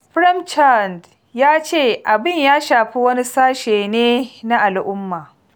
Prem Chand ya ce abin ya shafi wani sashe ne na al'umma.